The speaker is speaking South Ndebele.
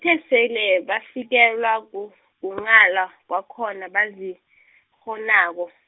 kuthe sele bafikelwa ku- kunghala kwakhona abazikghonako.